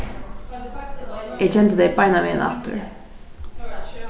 eg kendi tey beinanvegin aftur